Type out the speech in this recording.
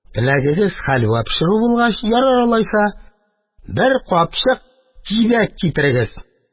Теләгегез хәлвә пешерү булгач, ярар, алайса, бер капчык кибәк китерегез